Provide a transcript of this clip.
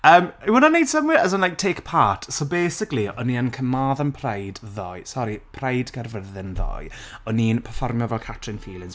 yym yw hwnna'n 'neud synhwyr, as in like, take part, so basically, o'n i'n Carmarthen pride ddoe sori, pride Gaerfyrddin ddoe, o'n i'n perfformio fel Catrin Feelings.